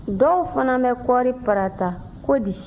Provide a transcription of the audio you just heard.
dɔw fana bɛ kɔɔri parata ko di